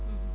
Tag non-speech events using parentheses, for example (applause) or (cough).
(hesitation) (hesitation)